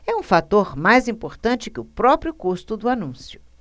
é um fator mais importante que o próprio custo do anúncio